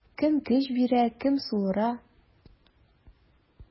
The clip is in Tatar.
Кем көч бирә, кем суыра.